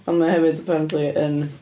Ond ma hefyd apparently yn...